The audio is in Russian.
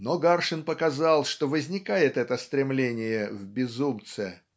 Но Гаршин показал, что возникает это стремление в безумце